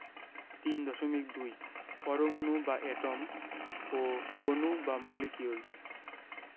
৩.২ পরমাণু বা এটম ও অণু বা মলিকিউলস